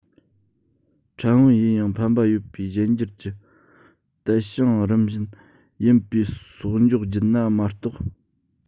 ཕྲན བུ ཡིན ཡང ཕན པ ཡོད པའི གཞན འགྱུར གྱི དལ ཞིང རིམ བཞིན ཡིན པའི གསོག འཇོག བརྒྱུད ན མ གཏོགས